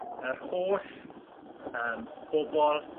Yr holl yym bobol